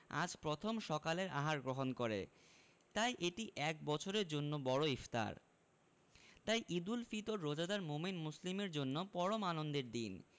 আজ প্রথম সকালের আহার গ্রহণ করে তাই এটি এক বছরের জন্য বড় ইফতার তাই ঈদুল ফিতর রোজাদার মোমিন মুসলিমের জন্য পরম আনন্দের দিন